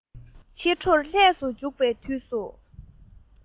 ཕྱི དྲོར ལྷས སུ འཇུག པའི དུས སུ